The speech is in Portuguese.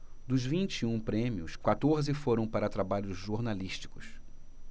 dos vinte e um prêmios quatorze foram para trabalhos jornalísticos